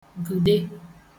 gụde